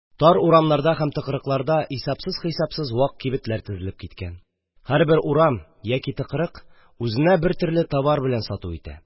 Тар урамнарда һәм тыкрыкларда исәпсез-хисапсыз вак кибетләр тезелеп киткән, һәрбер урам яки тыкрык үзенә бертөрле товар белән сату итә.